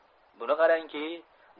buni qarang ki